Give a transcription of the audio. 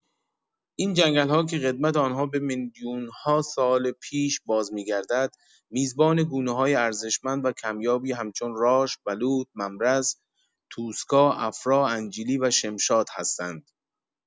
این جنگل‌ها که قدمت آنها به میلیون‌ها سال پیش بازمی‌گردد، میزبان گونه‌های ارزشمند و کمیابی همچون راش، بلوط، ممرز، توسکا، افرا، انجیلی و شمشاد هستند.